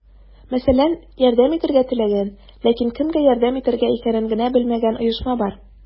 Мәсәлән, ярдәм итәргә теләгән, ләкин кемгә ярдәм итергә икәнен генә белмәгән оешма бар.